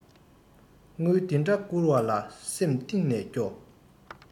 དངུལ འདི འདྲ བསྐུར བ ལ སེམས གཏིང ནས སྐྱོ